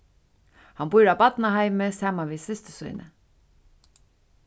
hann býr á barnaheimi saman við systur síni